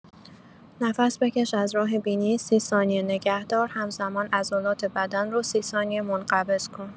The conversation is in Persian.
نفس بکش از راه بینی، ۳۰ ثانیه نگه‌دار، همزمان عضلات بدن رو ۳۰ ثانیه منقبض کن.